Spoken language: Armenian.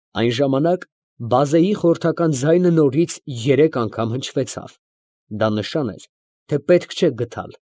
Այն ժամանակ բազեի խորհրդական ձայնը նորից երեք անգամ հնչվեցավ, դա նշան էր, թե պետք չէ գթալ։